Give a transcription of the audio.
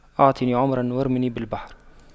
اعطني عمرا وارميني بالبحر